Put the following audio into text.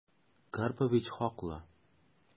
Карпович хаклы...